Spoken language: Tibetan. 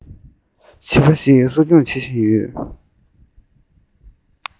བྱིས པ ཞིག གསོ སྐྱོང བྱེད བཞིན ཡོད